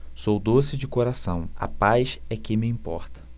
sou doce de coração a paz é que me importa